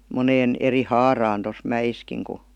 moneen eri haaraan tuossa mäessäkin kun